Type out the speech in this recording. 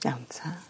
Iawn ta.